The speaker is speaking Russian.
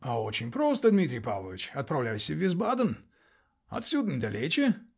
-- А очень просто, Дмитрий Павлович. Отправляйся в Висбаден. Отсюда недалече.